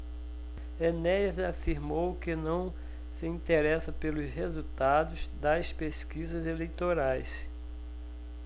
enéas afirmou que não se interessa pelos resultados das pesquisas eleitorais